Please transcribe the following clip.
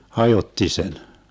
hajotti sen